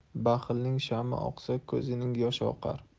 baxilning shami oqsa ko'zining yoshi oqar